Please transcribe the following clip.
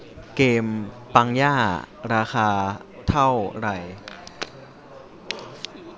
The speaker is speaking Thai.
เกมปังย่าราคาเท่าไหร่